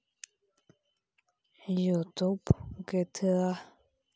ютуб гта